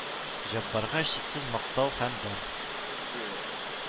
Җәббарга чиксез мактау һәм дан